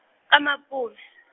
ka Mapuve .